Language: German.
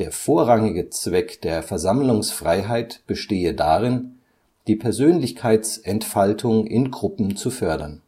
vorrangige Zweck der Versammlungsfreiheit bestehe darin, die Persönlichkeitsentfaltung in Gruppen zu fördern